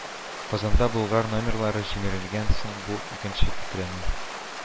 Казанда Болгар номерлары җимерелгәннән соң, бу икенче тетрәнү